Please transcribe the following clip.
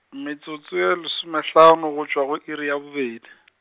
metsotso e lesomehlano go tšwa go iri ya bobedi .